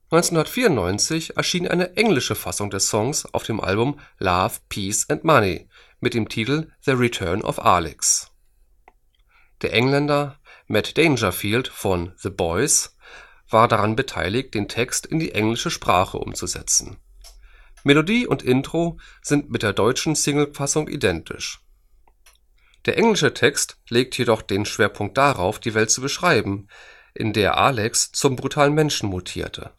1994 erschien eine englische Fassung des Songs auf dem Album Love, Peace & Money mit dem Titel The Return of Alex. Der Engländer Matt Dangerfield von The Boys war daran beteiligt, den Text in die englische Sprache umzusetzen. Melodie und Intro sind mit der deutschen Single-Fassung identisch. Der englische Text legt jedoch den Schwerpunkt darauf, die Welt zu beschreiben, in der Alex zum brutalen Menschen mutierte